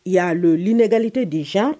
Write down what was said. Y yaa inɛgali tɛ dec